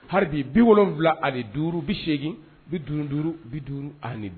Hadi bi wolonwula ani duuru bi seginegin bi duuru duuru bi duuru ani